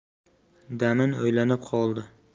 damin o'ylanib qoldi